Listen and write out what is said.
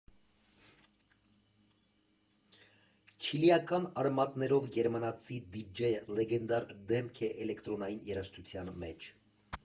Չիլիական արմատներով գերմանացի դիջեյը լեգենդար դեմք է էլեկտրոնային երաժշտության մեջ։